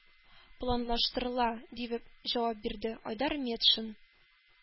Планлаштырыла, – дип җавап бирде айдар метшин.